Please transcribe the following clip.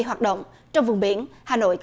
hoạt động trong vùng biển hà nội